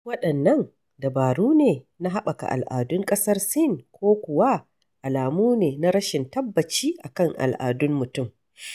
Duk waɗannan dabaru ne na haɓaka al'adun ƙasar Sin ko kuma alamu ne na rashin tabbaci a kan al'adun mutum?